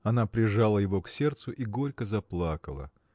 Она прижала его к сердцу и горько заплакала.